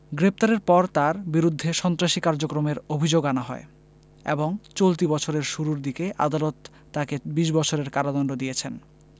গ্রেপ্তারের পর তাঁর বিরুদ্ধে সন্ত্রাসী কার্যক্রমের অভিযোগ আনা হয় এবং চলতি বছরের শুরুর দিকে আদালত তাকে ২০ বছরের কারাদণ্ড দিয়েছেন